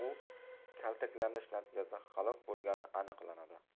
u kaltaklanish natijasida halok bo'lgani aniqlanadi